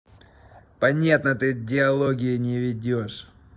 понятно ты диалоги не ведешь